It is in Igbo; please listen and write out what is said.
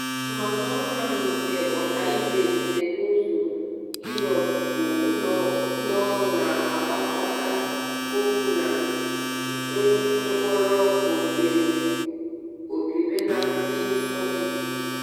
Atụmatụ ọhụrụ ahụ nke ọkaibe teknụzụ, Inrupt, bụ ụlọ ọrụ na-agbakwasa ụkwụ na ngwanro ghe oghe Berners-Lee, Solid.